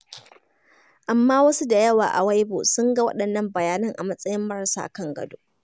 Amma wasu da yawa a Weibo sun ga waɗannan bayanai a matsayin marasa kan gado.